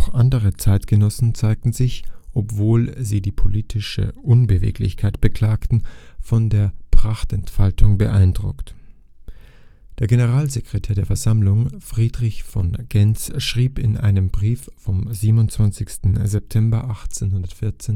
andere Zeitgenossen zeigten sich, obwohl sie die politische Unbeweglichkeit beklagten, von der Prachtentfaltung beeindruckt. Der Generalsekretär der Versammlung Friedrich von Gentz schrieb in einem Brief vom 27. September 1814: „ Die